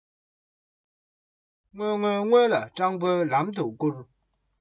གཅིག པོར འགྲོ བའི ལམ གྱི ལམ ཆས འདི